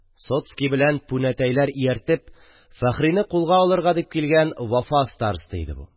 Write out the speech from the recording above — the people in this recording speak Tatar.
Сотский белән пүнәтәйләр ияртеп, Фәхрине кулга алырга дип килгән Вафа староста иде бу